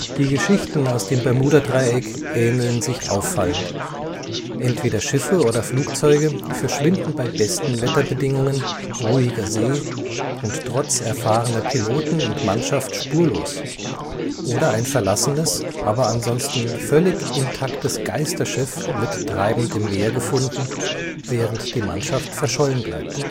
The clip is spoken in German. Die Geschichten aus dem Bermudadreieck ähneln sich auffallend: Entweder Schiffe oder Flugzeuge verschwinden bei besten Wetterbedingungen, ruhiger See und trotz erfahrener Piloten und Mannschaft spurlos oder ein verlassenes, aber ansonsten völlig intaktes Geisterschiff wird treibend im Meer gefunden, während die Mannschaft verschollen bleibt